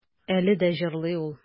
Әле дә җырлый ул.